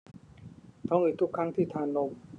ท้องอืดทุกครั้งที่ทานนม